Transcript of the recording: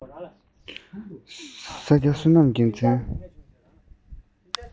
ས སྐྱ བསོད ནམས རྒྱལ མཚན